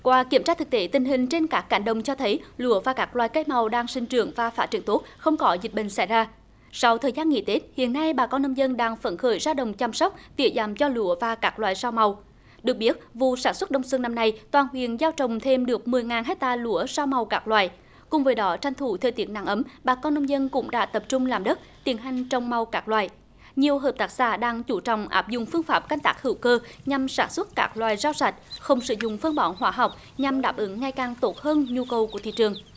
qua kiểm tra thực tế tình hình trên các cánh đồng cho thấy lúa và các loại cây màu đang sinh trưởng và phát triển tốt không có dịch bệnh xảy ra sau thời gian nghỉ tết hiện nay bà con nông dân đang phấn khởi ra đồng chăm sóc tỉa dặm cho lúa và các loại rau màu được biết vụ sản xuất đông xuân năm nay toàn huyện gieo trồng thêm được mười ngàn héc ta lúa rau màu các loại cùng với đó tranh thủ thời tiết nắng ấm bà con nông dân cũng đã tập trung làm đất tiến hành trồng màu các loại nhiều hợp tác xã đang chú trọng áp dụng phương pháp canh tác hữu cơ nhằm sản xuất các loại rau sạch không sử dụng phân bón hóa học nhằm đáp ứng ngày càng tốt hơn nhu cầu của thị trường